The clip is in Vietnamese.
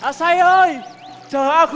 a say ơi chờ a